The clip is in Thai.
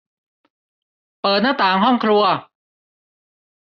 เปิดหน้าต่างห้องครัว